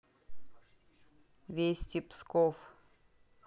вести псков